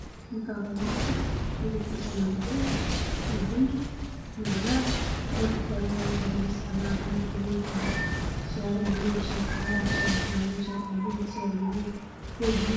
Waa masaajid waxaa ku tukanayo niman badan